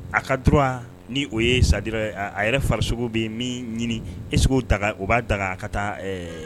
A ka dɔrɔn ni o ye sadira ye a yɛrɛ farikoloso bɛ min ɲini esw ta o b'a daga ka taa